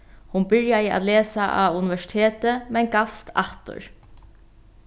hon byrjaði at lesa á universiteti men gavst aftur